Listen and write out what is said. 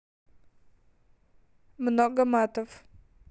много матов